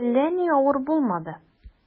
Әллә ни авыр булмады.